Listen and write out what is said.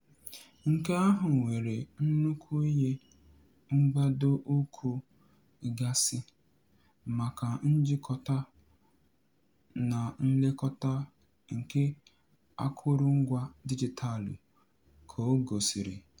"Nke ahụ nwere nnukwu ihe mgbado ụkwụ gasị maka njịkọta na nlekọta nke akụrụngwa dijitalụ", ka o gosiri.